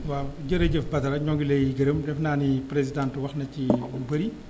waaw jërëjëf Badara ñoo ngi lay gërëm defe naa ni présidente wax na ci lu bari